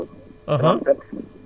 waaw